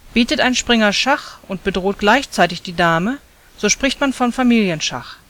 Bietet ein Springer Schach und bedroht gleichzeitig die Dame, so spricht man vom „ Familienschach